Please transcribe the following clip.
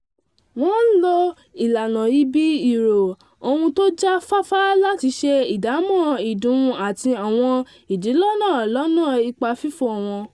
Wọn ń lo ìlànà ibi -ìró ohùn tó já fáfá láti ṣe ìdámọ́ ìdun àti àwọn ìdílọ́nà lọ́nà ipa fìfò wọn